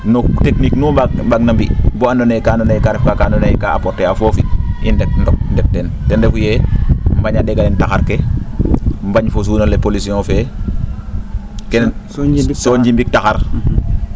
no technique no i mbaang na mbi' boo andoona yee kaa andoona yee kaa ref kaa andoona yee kaa apporter a foofi i ndet ndet teen ten refu yee mbañaa ?eg alen taxar ke mbañ fo suun ole pollution fee kene soo njimbik taxar